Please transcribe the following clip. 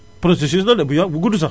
processus la de bu ya bu gudd sax